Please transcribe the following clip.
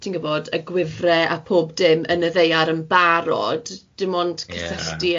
Ti'n gwbod, y gwifre a pob dim yn y ddear yn barod, dim ond... Ie...